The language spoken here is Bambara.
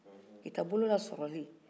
kita bolo lasɔrɔlen